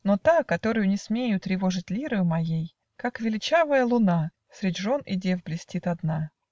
Но та, которую не смею Тревожить лирою моею, Как величавая луна, Средь жен и дев блестит одна.